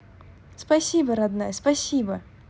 спасибо родной спасибо